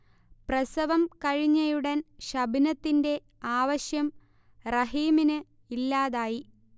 പ്രസവം കഴിഞ്ഞയുടൻ ഷബ്നത്തിന്റെ ആവശ്യം റഹീമിന് ഇല്ലാതായി